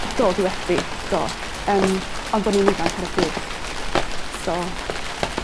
Do dwi wedi. Do. Yym. Ondo'n i'n ifanc ar y pryd so